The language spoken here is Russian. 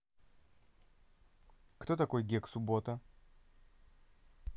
кто такой гек суббота